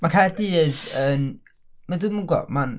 Ma' Caerdydd yn... mae'n dwi'm yn gwbod, ma'n...